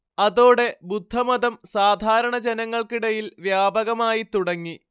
അതോടെ ബുദ്ധമതം സാധാരണ ജനങ്ങൾക്കിടയിൽ വ്യാപകമായിത്തുടങ്ങി